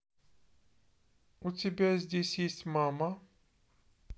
у тебя здесь есть мама